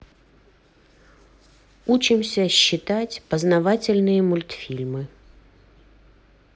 учимся считать познавательные мультфильмы